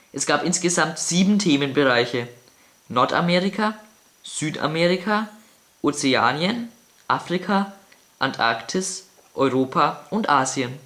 Es gab insgesamt sieben Themenbereiche: Nordamerika, Südamerika, Ozeanien, Afrika, Antarktis, Europa und Asien